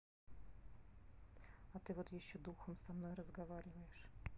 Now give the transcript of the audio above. а ты вот еще духом со мной разговариваешь